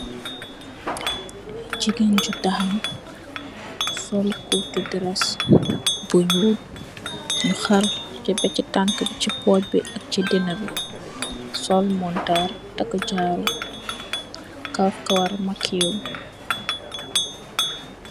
Gigeen ju taxaw sol kurtu dress bu nyul nyu xarr si busi tank bi, si poge bi, ak si denabi Sol montorr takk jaru kaff kawarr makiyewu.